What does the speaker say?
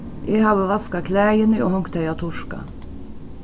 eg havi vaskað klæðini og hongt tey at turka